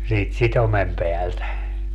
siitä sitomen päältä